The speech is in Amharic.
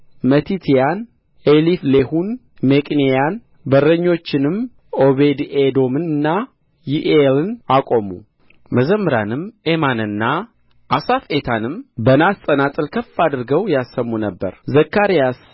መቲትያን ኤሊፍሌሁን ሚቅንያን በረኞችንም ዖቤድኤዶምንና ይዒኤልን አቆሙ መዘምራንም ኤማንና አሳፍ ኤታንም በናስ ጸናጽል ከፍ አድርገው ያሰሙ ነበር ዘካርያስ